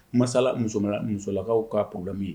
Masala muso musolakaw ka problème ye.